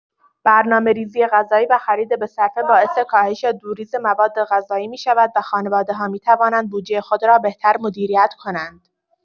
برنامه‌ریزی غذایی و خرید به‌صرفه باعث کاهش دورریز موادغذایی می‌شود و خانواده‌ها می‌توانند بودجه خود را بهتر مدیریت کنند.